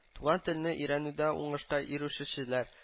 Туган телне өйрәнүдә уңышка ирешүчеләр